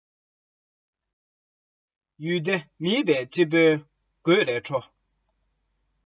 རྗེ དཔོན དར ཞིང རྒྱས པ ས སྡེའི འཕྲུལ